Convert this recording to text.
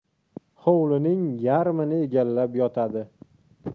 hovlining yarmini egallab yotadi